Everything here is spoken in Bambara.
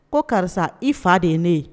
Ko karisa i fa de ye ne ye.